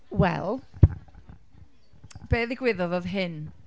Wel, be ddigwyddodd oedd hyn.